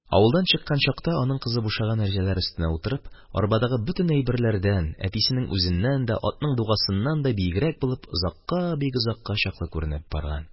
Авылдан чыккан чакта, аның кызы бушаган әрҗәләр өстенә утырып, арбадагы бөтен әйберләрдән, әтисенең үзеннән дә, атның дугасыннан да биегрәк булып, озакка, бик озакка чаклы күренеп барган.